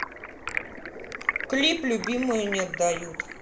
клип любимую не отдают